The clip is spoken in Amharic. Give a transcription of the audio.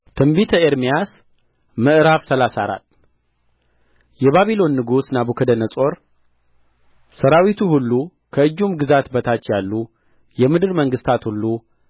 ትንቢተ ኤርምያስ ምዕራፍ ሰላሳ አራት ምዕራፍ ሰላሳ አራት የባቢሎን ንጉሥ ናቡከደነፆርና ሠራዊቱ ሁሉ ከእጁም ግዛት በታች ያሉ የምድር መንግሥታት ሁሉ